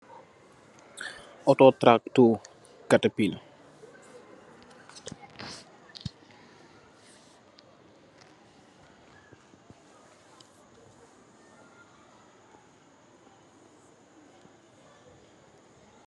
Auto tracktor, katapill.